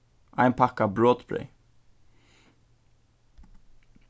ein pakka brotbreyð